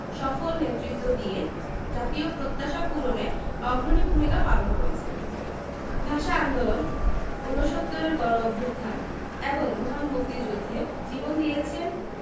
সফল নেতৃত্ব দিয়ে জাতীয় প্রত্যাশা পূরণে অগ্রণী ভূমিকা পালন করেছে ভাষা আন্দোলন উনসত্তুরের গণঅভ্যুত্থান এবং মহান মুক্তিযুদ্ধে জীবন দিয়েছেন